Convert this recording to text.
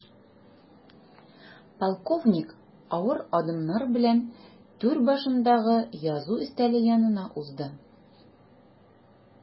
Полковник авыр адымнар белән түр башындагы язу өстәле янына узды.